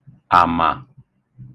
àmà